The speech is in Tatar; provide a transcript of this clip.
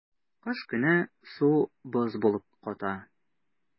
Кыш көне су боз булып ката.